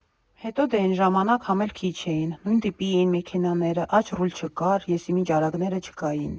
Հետո դե էն ժամանակ համ էլ քիչ էին, նույն տիպի էին մեքենաները՝ աջ ռուլ չկար, եսիմինչ արագները չկային։